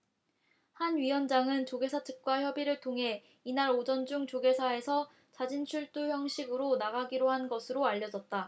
한 위원장은 조계사 측과 협의를 통해 이날 오전 중 조계사에서 자진출두 형식으로 나가기로 한 것으로 알려졌다